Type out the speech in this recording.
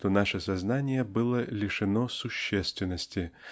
что наше сознание было лишено существенности